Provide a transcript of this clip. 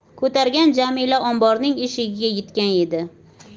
ko'targan jamila omborning eshigiga yetgan edi